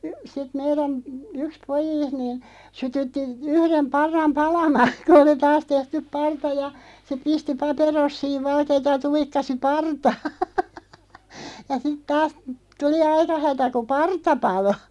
sitten meidän yksi pojista niin sytytti yhden parran palamaan kun oli taas tehty parta ja se pisti paperossiin valkeata ja tuikkasi partaan ja sitten taas tuli aika hätä kun parta paloi